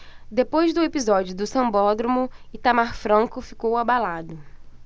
depois do episódio do sambódromo itamar franco ficou abalado